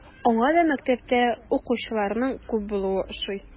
Аңа да мәктәптә укучыларның күп булуы ошый.